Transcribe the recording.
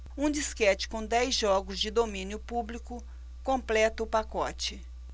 um disquete com dez jogos de domínio público completa o pacote